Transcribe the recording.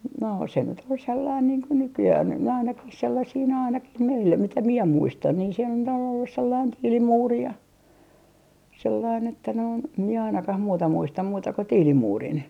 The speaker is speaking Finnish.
no se nyt oli sellainen niin kuin nykyään on nyt nämä ainakin sellaisia nämä ainakin meillä mitä minä muistan niin se nyt on ollut sellainen tiilimuuri ja sellainen että noin minä ainakaan muuta muista muuta kuin tiilimuurin